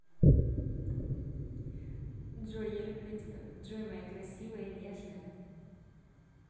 джой я тебя люблю джой моя красивая нежная